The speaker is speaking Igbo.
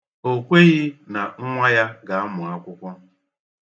O kweghi na nwa ya ga-amụ akwụkwọ.